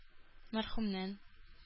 Мәрхүмнән